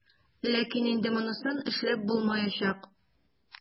Ләкин инде монысын эшләп булмаячак.